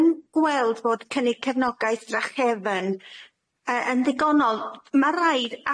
yn gweld bod cynnig cefnogaeth drachefn yy yn ddigonol ma' raid